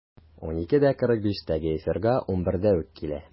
12.45-тәге эфирга 11-дә үк килә.